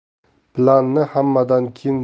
planni hammadan keyin